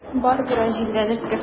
Бар, бераз җилләнеп кер.